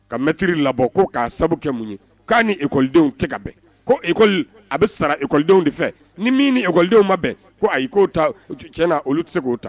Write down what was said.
Ka mɛttiriri labɔ ko k'a sababu kɛ mun ye k'a ni ekɔlidenw tɛgɛ ka bɛn ko ekɔli a bɛ sara ekɔlidenw de fɛ ni min ni ekɔlidenww ma bɛn ko ayi k'o ta tiɲɛna olu tɛ se k'o ta